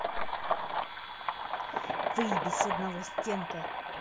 выебись одного стенка